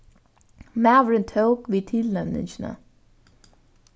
maðurin tók við tilnevningini